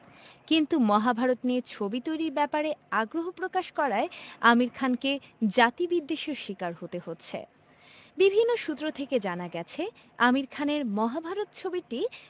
কিন্তু মহাভারত নিয়ে ছবি তৈরির ব্যাপারে আগ্রহ প্রকাশ করায় আমির খানকে জাতিবিদ্বেষের শিকার হতে হচ্ছে বিভিন্ন সূত্র থেকে জানা গেছে আমির খানের মহাভারত ছবিটি